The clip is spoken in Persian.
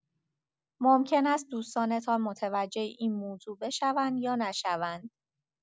ممکن است دوستانتان متوجه این موضوع بشوند یا نشوند.